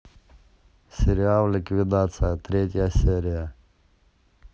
сериал ликвидация третья серия